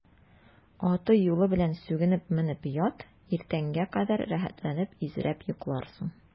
Аты-юлы белән сүгенеп менеп ят, иртәнгә кадәр рәхәтләнеп изрәп йокларсың.